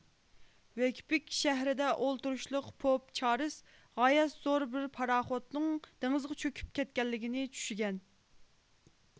ۋېكپىك شەھىرىدە ئولتۇرۇشلۇق پوپ چارس غايەت زور بىر پاراخوتنىڭ دېڭىزغا چۆكۈپ كەتكەنلىكىنى چۈشىگەن